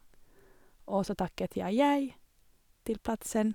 Og så takket jeg jei til plassen.